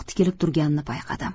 tikilib turganini payqadim